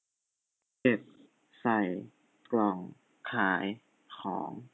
เก็บใส่กล่องขายของ